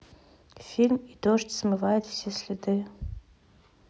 фильм и дождь смывает все следы